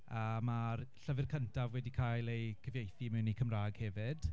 A ma'r llyfr cyntaf wedi cael ei cyfieithu mewn i Cymraeg hefyd.